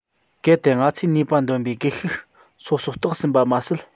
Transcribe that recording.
གལ ཏེ ང ཚོས ནུས པ འདོན པའི སྒུལ ཤུགས སོ སོ རྟོགས ཟིན པ མ ཟད